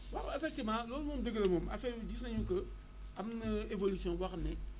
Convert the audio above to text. waaw effectivement loolu moom dëgg la moom affaire yi gis nañu que am na évolution boo xam ne